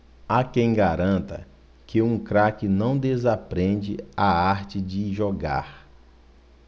há quem garanta que um craque não desaprende a arte de jogar